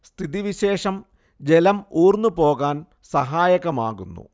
സ്ഥിതിവിശേഷം ജലം ഊർന്നു പോകാൻ സഹായകമാകുന്നു